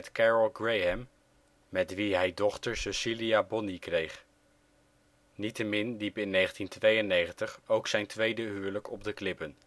Carole Graham, met wie hij dochter Cecelia Bonnie kreeg. Niettemin liep in 1992 ook zijn tweede huwelijk op de klippen